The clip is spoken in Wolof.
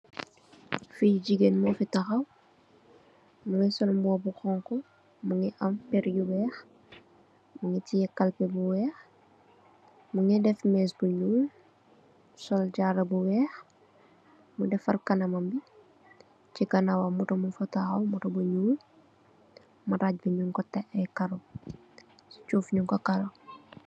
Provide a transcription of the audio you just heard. Fi jigéen mofi tahaw, mungi sol mbuba bu honku, mungi am pèrr yu weeh, mungi tè kalpeh bu weeh, mungi def mèss bu ñuul, sol jaaro bi weeh, mu defar kanamam bi. Chi ganaawam moto mung fa tahaw, moto bu ñuul. Maraj bi nung ko tekk ay karo, chi suuf nung ko Karo.